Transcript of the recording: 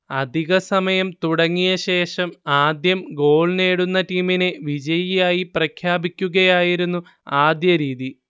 അധിക സമയം തുടങ്ങിയ ശേഷം ആദ്യം ഗോൾ നേടുന്ന ടീമിനെ വിജയിയായി പ്രഖ്യാപിക്കുകയായിരുന്നു ആദ്യ രീതി